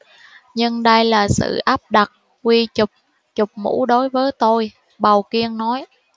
nhưng đây là sự áp đặt quy chụp chụp mũ đối với tôi bầu kiên nói